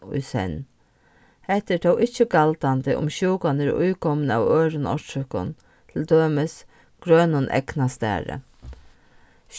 og í senn hetta er tó ikki galdandi um sjúkan er íkomin av øðrum orsøkum til dømis grønum eygnastari